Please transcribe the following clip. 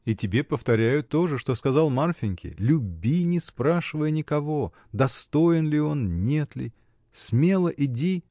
И тебе повторю то же, что сказал Марфиньке: люби, не спрашиваясь никого, достоин ли он, нет ли, — смело иди.